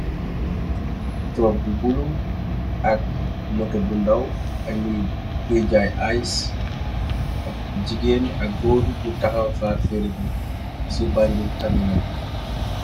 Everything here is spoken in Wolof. Truck bu bulo ak mota bu ndaw ak ñuy jaay ice ak jigéen ak góoru nu tahaw haar feere bi ci banjul taminal.